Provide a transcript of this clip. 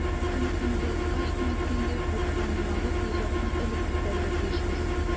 Бөтенесен озаткач, кем әйткәндәй, капканы ябып, йозакны элеп китәргә тиешбез.